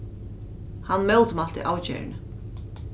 hann mótmælti avgerðini